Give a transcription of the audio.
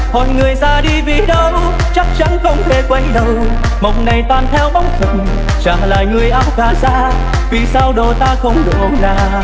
hỏi người ra đi vì đâu chắc chắn không thể quay đầu mộng này tan theo bóng phật chả lại người áo cà xa vì sao độ ta không độ nàng